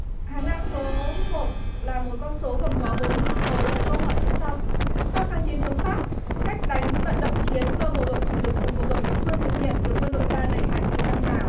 hàng ngang số một là một con số gồm có bốn chữ số với câu hỏi như sau trong kháng chiến chống pháp cách đánh vận động chiến do bộ đội chủ lực cùng bộ đội địa phương thực hiện được quân đội ta đẩy mạnh từ năm nào